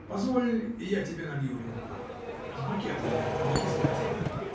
Позволь, я тебе налью рюмку: с букетом вино -- не кислятина.